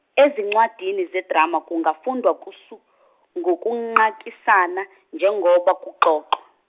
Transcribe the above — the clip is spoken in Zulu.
ezincwadini zedrama kungafundwa kusu, ngokunqakisana njengoba kuxoxwa.